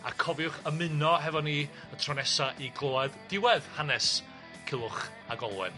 a cofiwch ymuno hefo ni y tro nesa i glwad diwedd hanes Culhwch a Olwen.